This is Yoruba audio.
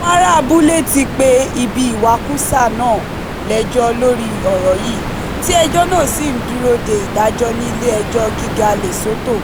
Àwọn ará abúlé ti pe ibi ìwakùsà náà lẹ́jọ́ lórí ọ̀rọ̀ yìí, tí ẹjọ́ náà sì ń dúró de ìdájọ́ ní Ilé-ẹjọ́ Gíga Lesotho.